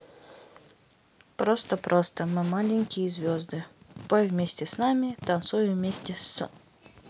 просто просто мы маленькие звезды пой вместе с нами танцуем вместе с